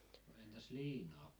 no entäs liinaa